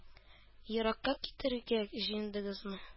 Еракка китәргә җыендыгызмы?